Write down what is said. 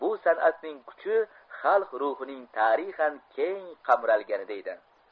bu san'atning kuchi xalq mhining tarixan keng qamralganida edi